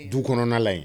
Du kɔnɔna la yen